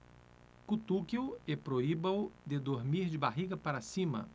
cutuque-o e proíba-o de dormir de barriga para cima